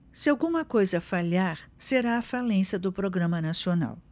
se alguma coisa falhar será a falência do programa nacional